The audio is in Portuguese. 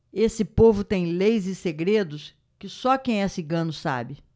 esse povo tem leis e segredos que só quem é cigano sabe